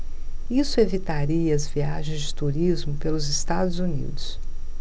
isso evitaria as viagens de turismo pelos estados unidos